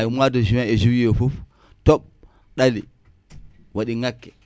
ay mois de juin et juillet